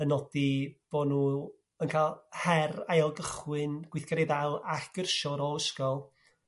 y nodi bo' nhw yn ca'l her ailgychwyn gweithgarail allgyrsiorol ar ol ysgol